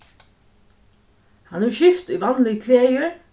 hann hevur skift í vanlig klæðir